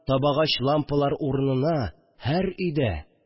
Табагач лампалар урнына һәр өйдә